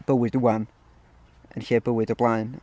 bywyd 'ŵan, yn lle bywyd o'r blaen.